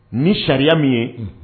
Ni sariya min ye